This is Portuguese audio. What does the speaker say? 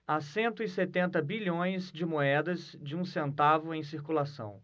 há cento e setenta bilhões de moedas de um centavo em circulação